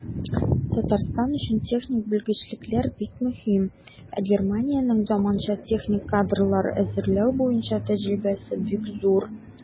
Татарстан өчен техник белгечлекләр бик мөһим, ә Германиянең заманча техник кадрлар әзерләү буенча тәҗрибәсе бик зур.